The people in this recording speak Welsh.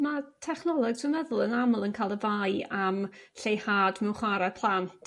Ma' technoleg swyn meddwl yn amal yn ca'l y fai am lleihad m'wn chwar'e plant.